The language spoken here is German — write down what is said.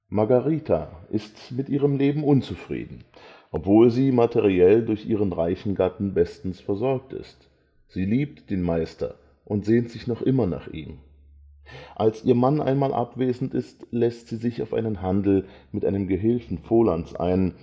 Margarita ist mit ihrem Leben unzufrieden, obwohl sie materiell durch ihren reichen Gatten bestens versorgt ist. Sie liebt den Meister und sehnt sich noch immer nach ihm. Als ihr Mann einmal abwesend ist, lässt sie sich auf einen Handel mit einem Gehilfen Volands ein